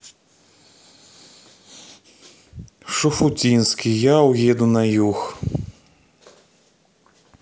шуфутинский я уеду на юг